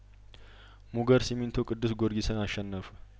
ሙገር ሲሚንቶ ቅዱስ ጊዮርጊስን አሸነፈ